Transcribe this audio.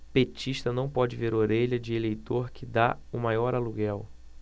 petista não pode ver orelha de eleitor que tá o maior aluguel